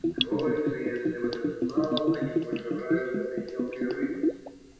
Сколько, если бы ты знал, они пожирают этой мелкой рыбицы